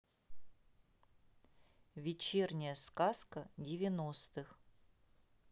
вечерняя сказка девяностых